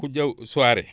Koudiao Souaré